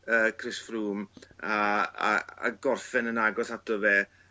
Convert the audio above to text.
yy Chris Froome a a a gorffen yn agos ato fe.